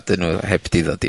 ...'dyn nw heb 'di ddod i